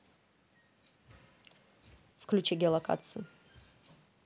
включи геолокацию